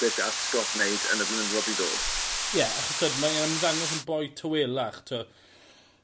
beth gall Scott neud yn y blynyddodd i ddod. Ie achos t'wod mae e'n ymddangos yn boi tywelach t'wo'